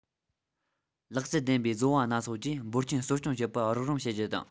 ལག རྩལ ལྡན པའི བཟོ པ སྣ ཚོགས བཅས འབོར ཆེན གསོ སྐྱོང བྱེད པར རོགས རམ བྱེད རྒྱུ དང